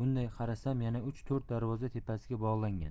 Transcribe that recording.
munday qarasam yana uch to'rt darvoza tepasiga bog'langan